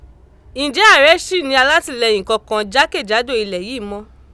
Ǹjẹ́ ààrẹ ṣì ní alátìlẹyìn kankan jákè jádò ilẹ̀ yìí mọ́?